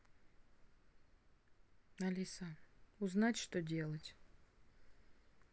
алиса узнать что делать